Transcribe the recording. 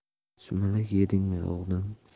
sumalak yedingmi o'g'lim